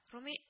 Руми